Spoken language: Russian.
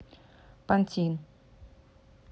pantene